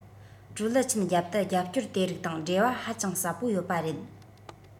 ཀྲུའུ ལི ཆན རྒྱབ ཏུ རྒྱབ སྐྱོར དེ རིགས དང འབྲེལ བ ཧ ཅང ཟབ པོ ཡོད པ རེད